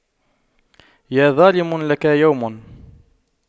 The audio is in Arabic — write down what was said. يا ظالم لك يوم